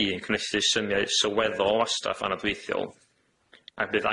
Pee yn cynethu symiau sylweddol o wastaff anadweithiol ac bydd